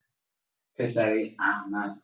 پسرۀ احمق!